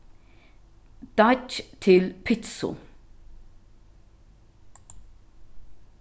deiggj til pitsu